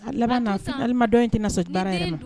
A laban nilima dɔn in tɛna sa baara yɛrɛ ma